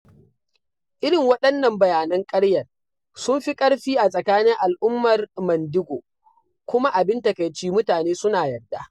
Irin waɗannan bayanan ƙaryar sun fi ƙarfi a tsakanin al'ummar Mandingo kuma abin takaici mutane suna yarda.